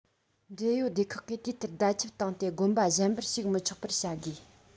འབྲེལ ཡོད སྡེ ཁག གིས དུས ལྟར བརྡ ཁྱབ བཏང སྟེ དགོན པ གཞན པར ཞུགས མི ཆོག པར བྱ དགོས